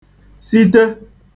site